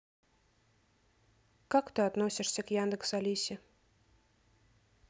как ты относишься к яндекс алисе